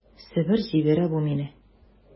Себер җибәрә бу мине...